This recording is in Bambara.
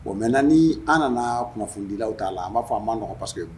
Bon maintenant ni an nana kunnafonidilaw ta la, an b'a fɔ a ma nɔgɔn parce que